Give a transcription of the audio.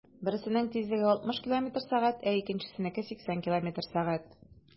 Берсенең тизлеге 60 км/сәг, ә икенчесенеке - 80 км/сәг.